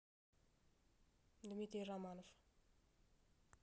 дмитрий романов